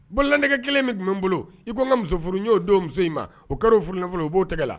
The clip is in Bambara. Bolilanɛtigɛ kelen min tun bɛ n bolo i kan ka musofn y'o don muso in ma o kɛra f fɔlɔ u b'o tɛgɛ la